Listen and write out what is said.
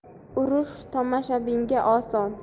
urush tomoshabinga oson